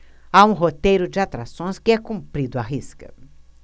há um roteiro de atrações que é cumprido à risca